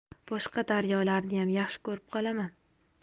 boshqa daryolarniyam yaxshi ko'rib qolaman